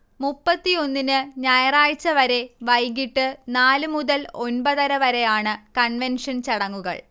മുപ്പത്തിയൊന്നിന് ഞായറാഴ്ച വരെ വൈകീട്ട് നാല് മുതൽ ഒൻപതര വരെയാണ് കൺവെൻഷൻ ചടങ്ങുകൾ